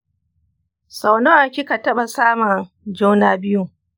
sau nawa kika taɓa samun juna biyu?